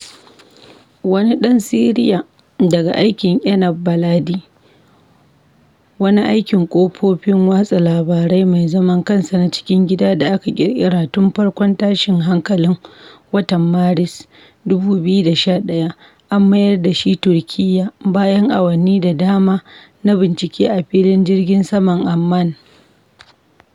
Wani ɗan Syria daga aikin Enab Baladi, wani aikin kafofin watsa labarai mai zaman kansa na cikin gida da aka ƙirƙira tun farkon tashin hankalin watan Maris 2011, an mayar da shi Turkiyya bayan awanni da dama na bincike a filin jirgin saman Amman.